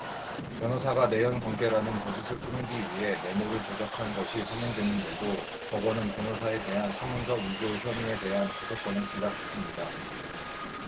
변호사가 내연관계라는 거짓을 꾸미기 위해 메모를 조작한 것이 확인됐는데도 법원은 변호사에 대한 사문서 위조 혐의에 대한 고소 건을 기각했습니다